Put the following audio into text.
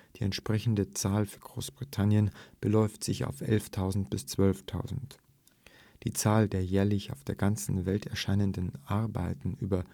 entsprechende Zahl für Großbritannien beläuft sich auf 11.000 bis 12.000. Die Zahl der jährlich auf der ganzen Welt erscheinenden Arbeiten über